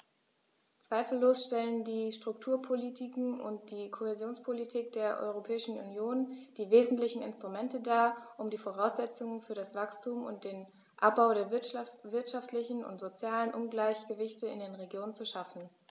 Zweifellos stellen die Strukturpolitiken und die Kohäsionspolitik der Europäischen Union die wesentlichen Instrumente dar, um die Voraussetzungen für das Wachstum und den Abbau der wirtschaftlichen und sozialen Ungleichgewichte in den Regionen zu schaffen.